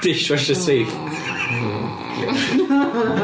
Dishwasher safe ... yy ...